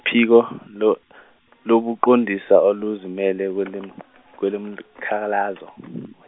Phiko lo- lobuqondisa oluzimele kwelem- kwelemkhalazo-.